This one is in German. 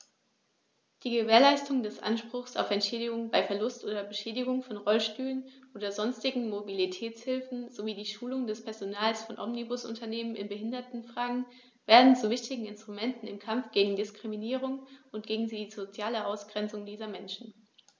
Die Gewährleistung des Anspruchs auf Entschädigung bei Verlust oder Beschädigung von Rollstühlen oder sonstigen Mobilitätshilfen sowie die Schulung des Personals von Omnibusunternehmen in Behindertenfragen werden zu wichtigen Instrumenten im Kampf gegen Diskriminierung und gegen die soziale Ausgrenzung dieser Menschen.